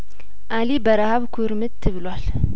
አሊ በረሀብ ኩርምት ብሏል